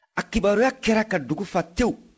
a kibaruya kɛra ka dugu fa tewu